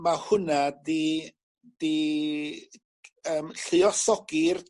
ma' hwnna 'di 'di yym lluosogi'r